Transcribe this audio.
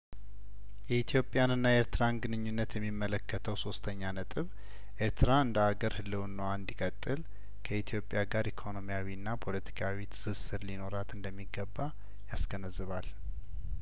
የኢትዮጵያንና የኤርትራን ግንኙነት የሚመለከተው ሶስተኛ ነጥብ ኤርትራ እንደአገር ህልውናዋ እንዲቀጥል ከኢትዮጵያ ጋር ኢኮኖሚያዊና ፖለቲካዊ ትስስር ሊኖራት እንደሚገባ ያስገነዝባል